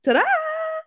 Ta-ra!